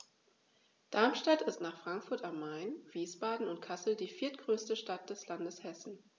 Darmstadt ist nach Frankfurt am Main, Wiesbaden und Kassel die viertgrößte Stadt des Landes Hessen